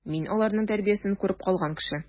Мин аларның тәрбиясен күреп калган кеше.